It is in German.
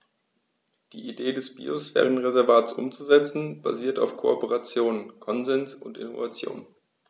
Die Idee des Biosphärenreservates umzusetzen, basiert auf Kooperation, Konsens und Innovation.